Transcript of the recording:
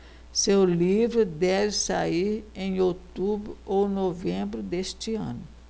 seu livro deve sair em outubro ou novembro deste ano